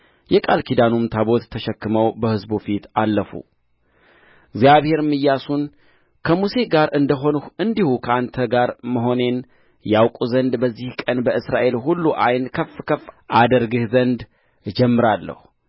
የቃል ኪዳኑንም ታቦት ተሸክመው በሕዝቡ ፊት አለፉ እግዚአብሔርም ኢያሱን ከሙሴ ጋር እንደ ሆንሁ እንዲሁ ከአንተ ጋር መሆኔን ያውቁ ዘንድ በዚህ ቀን በእስራኤል ሁሉ ዓይን ከፍ ከፍ አደርግህ ዘንድ እጀምራለሁ